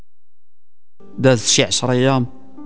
بس عشره ايام